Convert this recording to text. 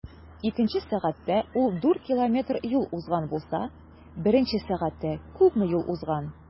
Икенче сәгатьтә ул 4 км юл узган булса, беренче сәгатьтә күпме юл узган?